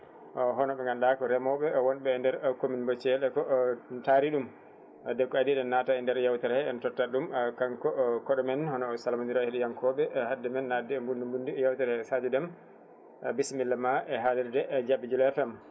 o hono mo ganduɗa ko remoɓe wonɓe nde commune mo Thiel ko taari ɗum wadde ko aadi eɗen naata e nder yewtere he en tottat ɗum kanko koɗomen o salmodira e heɗiyankoɓe haade ɗumen nadde e mbundi mbundi yewtere Sadio Démé bissimilla ma e haalirede JAƁY JULA FM